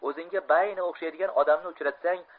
o'zingga baayni o'xshaydigan odamni uchratsang